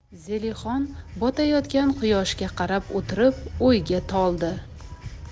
zelixon botayotgan quyoshga qarab o'tirib o'yga toldi